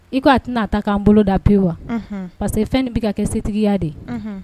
I ko a tɛna ta k'an bolo da pewu wa, unhun parce que fɛn bɛ ka kɛ setigiya de ye, unhun